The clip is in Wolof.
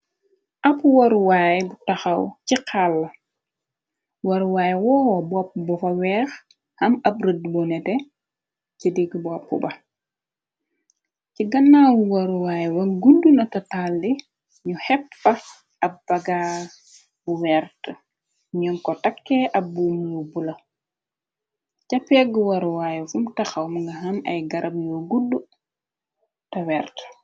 Ab waruwaay bu taxaw ci xàlla, waruwaay woowo bopp bu fa weex, xam ab rëd bu nete ci dig bopp ba, ci ganaawu waruwaay wa gudd na ta tàlli ñu xept fa ab bagaal bu wert, ñoom ko takkee ab buum lubbula, ca pegg waruwaay fum taxaw mnga xan ay garab yuwa gudd ta wert.